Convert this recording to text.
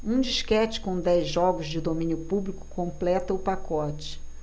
um disquete com dez jogos de domínio público completa o pacote